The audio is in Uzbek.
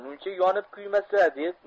muncha yonib kuymasa deb